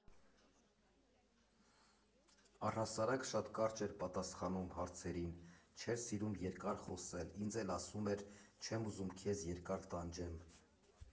Առհասարակ շատ կարճ էր պատասխանում հարցերին, չէր սիրում երկար խոսել, ինձ էլ ասում էր՝ չեմ ուզում քեզ երկար տանջեմ։